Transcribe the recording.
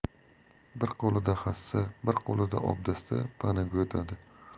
bir qo'lida hassa bir qo'lida obdasta panaga o'tadi